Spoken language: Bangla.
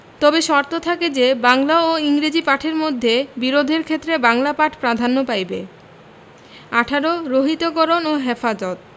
তবে শর্ত থাকে যে বাংলা ও ইংরেজী পাঠের মধ্যে বিরোধের ক্ষেত্রে বাংলা পাঠ প্রাধান্য পাইবে ১৮ রহিতকরণ ও হেফাজত